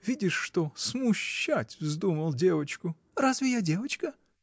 Видишь что: смущать вздумал девочку! — Разве я девочка?